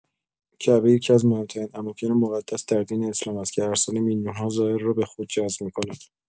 کعبه یکی‌از مهم‌ترین اماکن مقدس در دین اسلام است که هر ساله میلیون‌ها زائر را به خود جذب می‌کند.